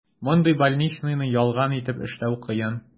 Мондый больничныйны ялган итеп эшләү кыен.